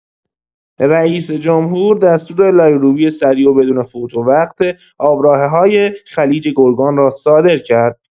رئیس‌جمهور دستور لایروبی سریع و بدون فوت وقت آبراهه‌های خلیج گرگان را صادر کرد.